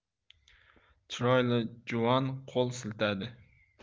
chiroyli juvon qo'l siltadi